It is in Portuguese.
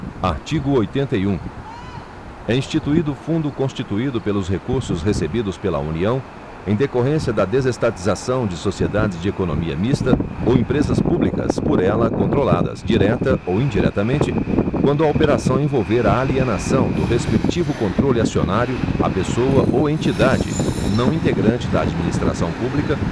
artigo oitenta e um é instituído fundo constituído pelos recursos recebidos pela união em decorrência da desestatização de sociedades de economia mista ou empresas públicas por ela controladas direta ou indiretamente quando a operação envolver a alienação do respectivo controle acionário a pessoa ou entidade não integrante da administração pública